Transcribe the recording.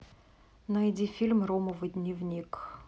найди фильм ромовый дневник